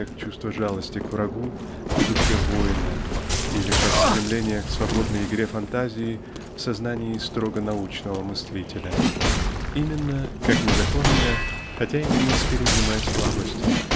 как чувство жалости к врагу -- в душе воина -- или как стремление к свободной игре фантазии -- в сознании строго-научного мыслителя именно как незаконная хотя и неискоренимая слабость